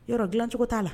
Yɔrɔ dilancogo t'a la?